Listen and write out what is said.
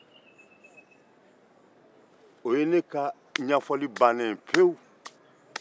o ye ne ka ɲɛfɔli bannen ye pewu